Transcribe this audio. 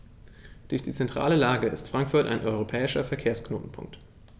Durch die zentrale Lage ist Frankfurt ein europäischer Verkehrsknotenpunkt.